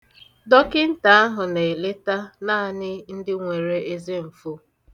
Dọkịnta ahụ na-eleta naanị ndị nwere ezemfo.